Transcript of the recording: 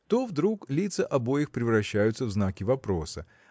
то вдруг лица обоих превращаются в знаки вопроса